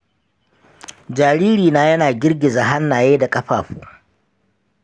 jaririna yana girgiza hannaye da ƙafafu.